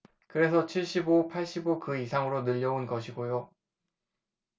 그래서 칠십 오 팔십 오 그 이상으로 늘려온 것이고요